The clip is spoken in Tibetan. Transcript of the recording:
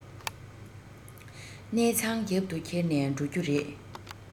གནས ཚང རྒྱབ ཏུ ཁྱེར ནས འགྲོ རྒྱུ རེད